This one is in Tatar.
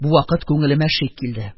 Бу вакыт күңелемә шик килде.